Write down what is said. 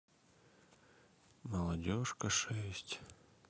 молодежка шесть